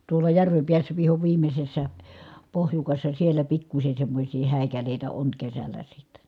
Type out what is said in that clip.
tuolla järven päässä viho viimeisessä pohjukassa siellä pikkuisen semmoisia häikäleitä on kesällä sitten